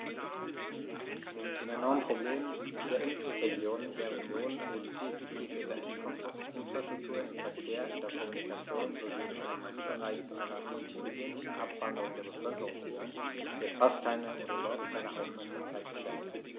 Den enormen Problemen der Inselregionen der Union, wo die Defizite in der Infrastruktur, im Verkehr, in der Kommunikation sowie im Energiebereich zu einer kontinuierlichen Abwanderung der Bevölkerung führen, wird fast keine oder überhaupt keine Aufmerksamkeit geschenkt.